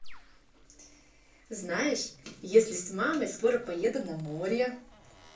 знаешь если с мамой скоро поеду на море